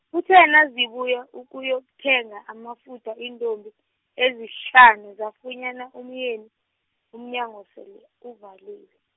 kuthe nazibuya ukuyokuthenga amafutha iintombi, ezihlanu zafunyana umyeni, umnyango sele uvaliwe.